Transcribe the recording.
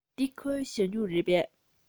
འདི ཁོའི ཞ སྨྱུག རེད པས